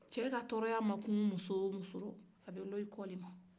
cɛ ka tɔɔrɔya ma kun muso o muso la a bɛ lɔ i kɔ de ma